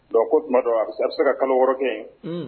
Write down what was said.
Ko tuma dɔnw a bi se ka kalo 6 kɛ yen Unhun